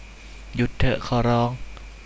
หยุดเถอะขอร้อง